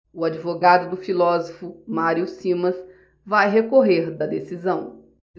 o advogado do filósofo mário simas vai recorrer da decisão